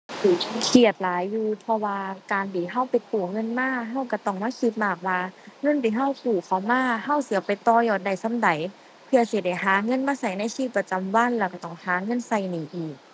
เครียดหลายอยู่ เพราะว่าการที่เราไปกู้เงินมาเราเราต้องมาคิดมากว่าเงินที่เรากู้เขามาเราสิเอาไปต่อยอดได้ส่ำใด เพื่อสิได้หาเงินมาเราในชีวิตประจำวัน แล้วเราต้องหาเงินเราหนี้อีก